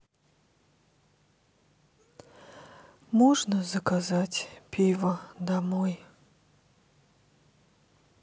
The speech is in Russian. можно заказать пиво домой